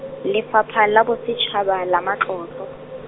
Lefapha la Bosetšhaba la Matlotlo.